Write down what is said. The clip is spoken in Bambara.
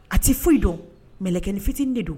A tɛ foyi dɔn mɛlɛkɛni fitini de don.